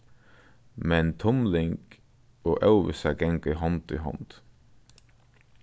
men tumling og óvissa ganga í hond í hond